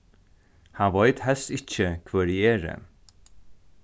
hann veit helst ikki hvør eg eri